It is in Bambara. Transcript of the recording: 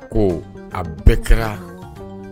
Ko a bɛɛ kɛra